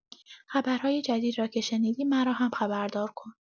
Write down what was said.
خبرهای جدید را که شنیدی، مرا هم خبردار کن.